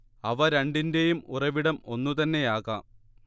അവ രണ്ടിന്റേയും ഉറവിടം ഒന്നുതന്നെയാകാം